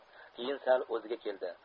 keyin sal o'ziga keldi